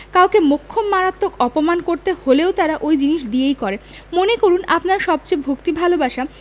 কাউকে মোক্ষম মারাত্মক অপমান করতে হলেও তারা ওই জিনিস দিয়েই করে মনে করুন আপনার সবচেয়ে ভক্তি ভালবাসা